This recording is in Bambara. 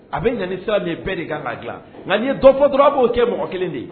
A bɛ naanisira de bɛɛ de kan ka dila nka ye dɔptura a b'o kɛ mɔgɔ kelen de ye